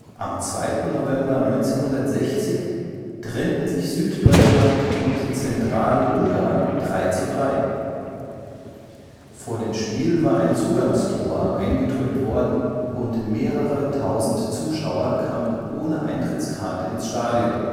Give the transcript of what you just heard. Am 2. November 1960 trennten sich Süddeutschland und Zentralungarn 3:3. Vor dem Spiel war ein Zugangstor eingedrückt worden und mehrere Tausend Zuschauer kamen ohne Eintrittskarte ins Stadion